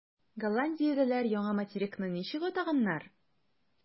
Голландиялеләр яңа материкны ничек атаганнар?